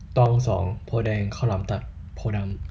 ตองสองโพธิ์แดงข้าวหลามตัดโพธิ์ดำ